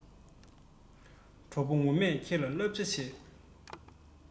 གྲོགས པོ ངོ མས ཁྱེད ལ སླབ བྱ བྱེད